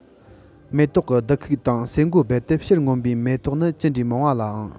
མེ ཏོག གི རྡུལ ཁུག དང ཟེ མགོ རྦད དེ ཕྱིར མངོན པའི མེ ཏོག ནི ཇི འདྲ མང བ ལ ཨང